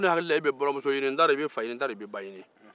a ko ne hakili la e be buranmuso ɲini n t'a dɔn e bɛ fa ni ɲini